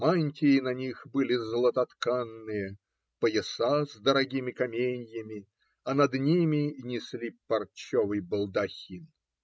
мантии на них были златотканные, пояса с дорогими каменьями, а над ними несли парчовый балдахин.